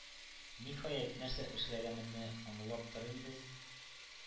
Ниһаять, нәрсә эшләгәнемне аңлаптыр инде,